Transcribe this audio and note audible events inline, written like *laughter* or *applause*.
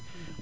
*hesitation* *hesitation*